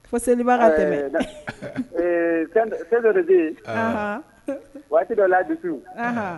Fo seliba ka tɛmɛ . Ɛɛ fɛn dɔ de be yen waati dɔ la dusu.